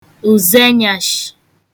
ụ̀zọenyàshị̀